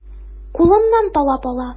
Кулыннан талап ала.